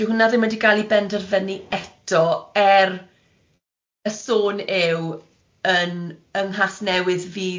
dyw hwnna ddim wedi cael ei benderfynu eto, er y sôn yw, yn yng nghas newydd fydd e.